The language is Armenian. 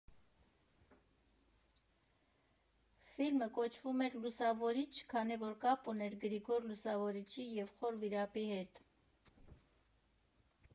Ֆիլմը կոչվում էր «Լուսավորիչ», քանի որ կապ ուներ Գրիգոր Լուսավորչի և Խոր Վիրապի հետ։